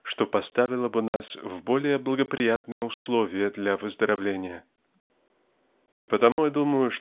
что поставила бы нас в более благоприятные условия для выздоровления. И потому я думаю